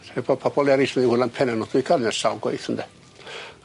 bo' pobol yn neu' hwyl am penne nw. Dwi 'din ca'l hynna sawl gwaith ynde?